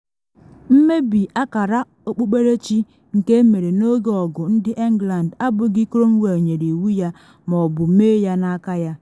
Mmebi akara okpukperechi nke emere n’oge ọgụ ndị England abụghị Cromwell nyere iwu ya ma ọ bụ mee ya n’aka ya.